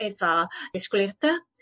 efo disgwyliada.